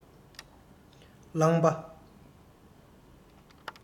རླངས པ